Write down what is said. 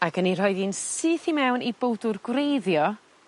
Ag yn 'i rhoi ddi'n syth i mewn i bowdwr gwreiddio,